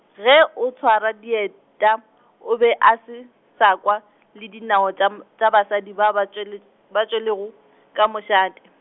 ge o tshwara dieta, o be a se, sa kwa, le dinao tša m-, tša basadi ba ba tšwele, ba tšwelego, ka mošate.